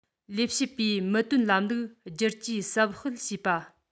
ལས བྱེད པའི མི དོན ལམ ལུགས སྒྱུར བཅོས ཟབ སྤེལ བྱེད པ